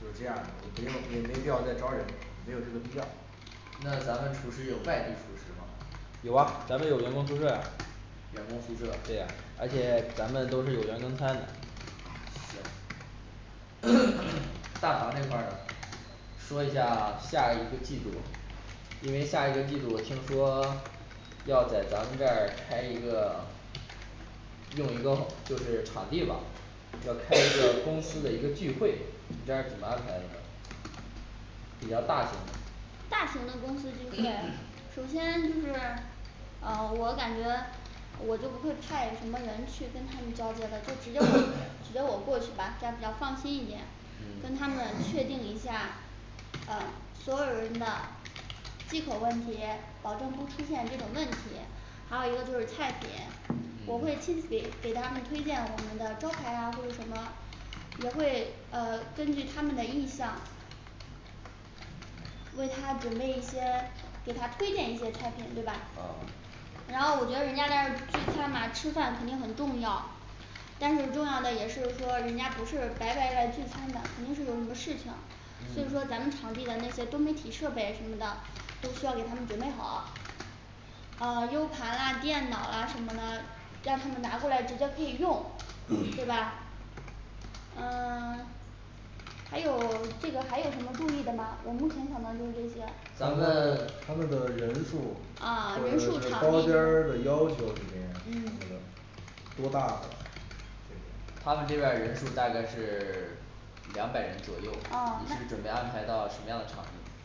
就是这样儿的，也不用也没必要再招人，没有这个必要。那咱们厨师有外地厨师吗？有啊咱们有员工宿舍呀员工宿舍，对呀，而且咱们都是有员工餐的行 大堂这块儿呢说一下下一个季度因为下一个季度听说 要在咱们这儿开一个用一个就是场地吧，要开一个公司的一个聚会，你这儿怎么安排的呢比较大型大型的公司聚会，首先就是嗯我感觉我就不会派什么人去跟他们交接了，就直接我 直接我过去吧，这样比较放心一点嗯跟他们确定一下嗯所有人的忌口问题，保证不出现这种问题。还有一个就是菜品，我会嗯亲自给给他们推荐我们的招牌啊或者什么也会呃根据他们的意向为他准备一些给他推荐一些菜品对吧？嗯然后我觉得人家在这儿聚餐嘛吃饭肯定很重要但是重要的也是说人家不是白白来聚餐的，肯定是有什么事情就是嗯说咱们场地的那些多媒体设备什么的都需要给他们准备好呃优盘啊电脑啊什么的，让他们拿过来直接可以用，对吧？嗯 还有这个还有什么注意的吗？我目前想到就是这些，啊咱咱们们他们的人数儿还有人数这些场包地间儿的要求这边你们嗯多大的他们这边儿人数大概是 两百人左右，嗯你是那准备安排到什么样的场地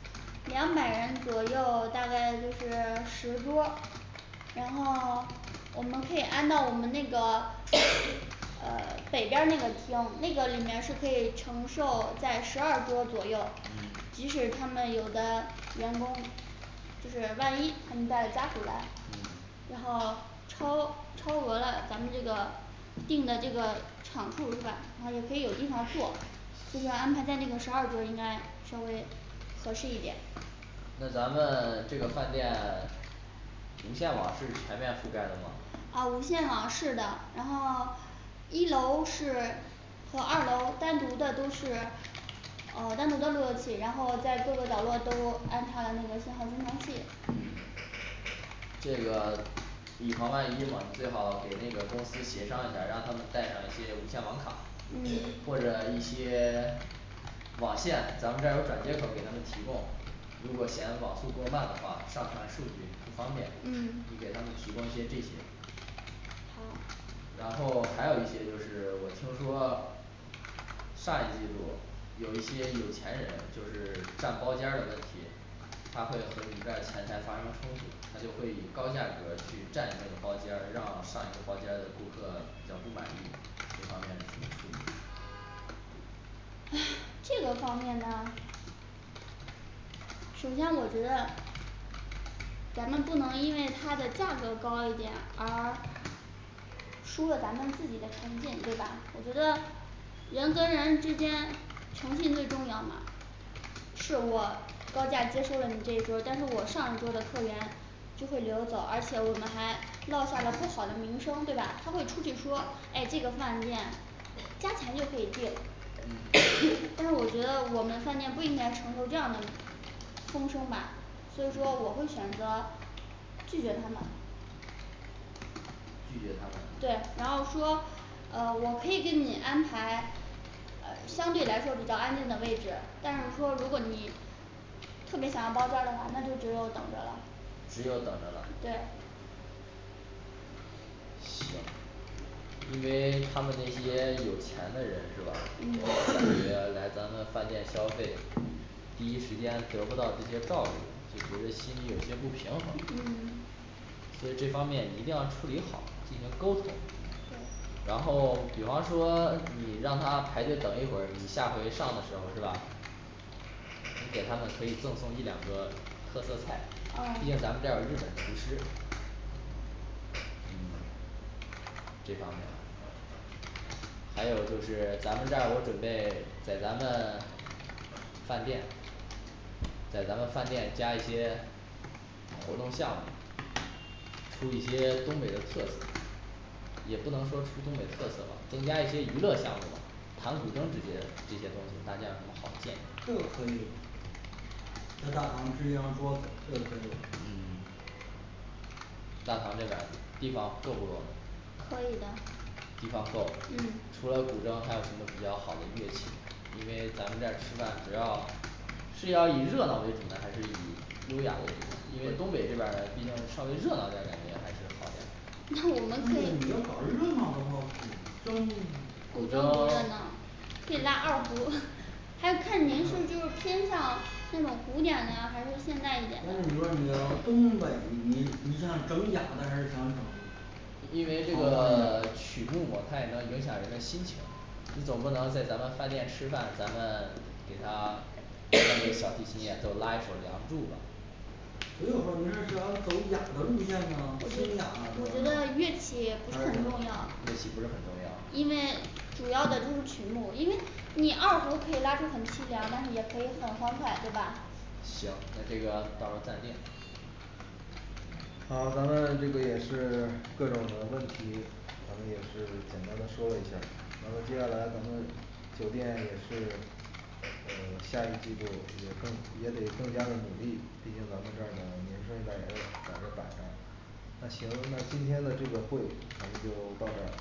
两百人左右大概就是十桌儿然后 我们可以安到我们那个呃北边儿那个厅那个里面儿是可以承受在十二桌儿左右，嗯即使他们有的员工就是万一他们带着家属来嗯然后超超额了咱们这个定的这个场数是吧？他也可以有地方坐就说安排在这个十二桌应该稍微合适一点那咱们这个饭店无线网是全面覆盖的吗？啊无线网是的，然后 一楼是和二楼单独的都是哦单独的路由器，然后在各个角落都安排消防灭火器。嗯这个以防万一嘛最好给那个公司协商一下儿，让他们带上一些无线网卡嗯或者一些 网线，咱们这儿有转接口儿给他们提供。如果嫌网速过慢的话，上传数据不方便，嗯你给他们提供一些这些。好然后还有一些就是我听说上一季度有一些有钱人就是占包间儿的问题他会和你们这儿前台发生冲突，他就会以高价格去占那个包间儿，让上一个包间儿的顾客比较不满意。这方面怎么处理 这个方面呢首先我觉得咱们不能因为他的价格高一点而输了咱们自己的诚信对吧？我觉得人跟人之间诚信最重要嘛是我高价接收了你这一桌儿，但是我上一桌儿的客源就会流走，而且我们还落下了不好的名声，对吧？他会出去说哎这个饭店加钱就可以定但是我觉得我们饭店不应该承受这样的风声吧，所以说我会选择拒绝他们拒绝他们对然后说呃我可以给你安排呃相对来说比较安静的位置，但是说如果你特别想要包间儿的话，那就只有等着了只有等着了。对行因为他们那些有钱的人是吧，嗯我感觉来咱们饭店消费第一时间得不到这些照顾，就觉着心里有些不平衡嗯所以这方面你一定要处理好，进行沟通对然后比方说你让他排队，等一会儿你下回上的时候是吧？给他们可以赠送一两个特色菜，毕嗯竟咱们这儿有日本厨师嗯这方面还有就是咱们这儿，我准备在咱们饭店在咱们饭店加一些活动项目出一些东北的特色也不能说出东北特色吧，增加一些娱乐项目吧，弹古筝这些这些东西，大家有什么好的建议，这个可以在大堂支一张桌子，这个可以有嗯大堂这边儿地方够不够？可以的地方够嗯，除了古筝还有什么比较好的乐器吗？因为咱们这儿吃饭主要是要以热闹为主呢，还是以优雅为主呢因为东北这边儿呢毕竟稍微热闹点儿感觉还是好点儿。那我那们 可个以古你要筝搞热闹的话，古筝 不古热筝闹 可以拉二胡， 还有看您是就是偏向那种古典的还是现代一但点的是，你说你要东北，你你想整雅的还是想整，因为这个曲目嘛他也能影响人的心情你总不能在咱们饭店吃饭，咱们给他这个小提琴演奏拉一首梁祝吧所以我说你这是要走雅的路线呢我觉，清雅呢还我觉得乐器不是是什很重么乐器不是很重要要，因为主要的就是曲目，因为你二胡可以拉出很凄凉，但是也可以很欢快对吧？行那这个到时候暂定好了咱们这个也是各种的问题咱们也是简单的说一下儿。咱们接下来咱们酒店也是嗯下一季度也更也得更加的努力，毕竟咱们这儿的名声在这儿在这儿摆着呢那行，那今天的这个会咱们就到这儿